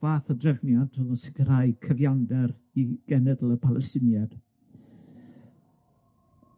fath o drefniant o'dd yn sicirhau cyfiawnder i genedl y Palestiniaid.